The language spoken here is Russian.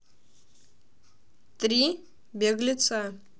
три беглеца